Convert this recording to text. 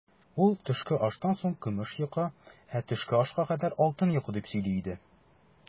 Ул, төшке аштан соң көмеш йокы, ә төшке ашка кадәр алтын йокы, дип сөйли иде.